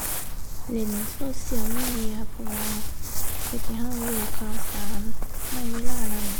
เล่น social media เพราะว่าเฮ็ดให้เรารู้ข่าวสารในเวลานั้น